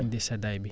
indi seddaay bi